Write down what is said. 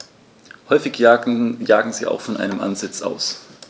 Häufig jagen sie auch von einem Ansitz aus.